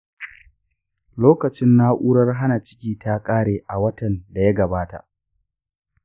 lokacin na’urar hana ciki ta ƙare a watan da ya gabata.